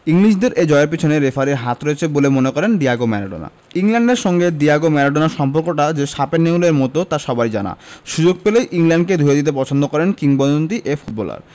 ইংলিশদের এই জয়ের পেছনে রেফারির হাত রয়েছে বলে মনে করেন ডিয়েগো ম্যারাডোনা ইংল্যান্ডের সঙ্গে ডিয়েগো ম্যারাডোনার সম্পর্কটা যে শাপে নেউলের মতো তা সবারই জানা সুযোগ পেলেই ইংল্যান্ডকে ধুয়ে দিতে পছন্দ করেন কিংবদন্তি এ ফুটবলার